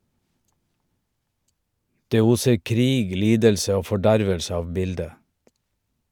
Det oser krig, lidelse og fordervelse av bildet.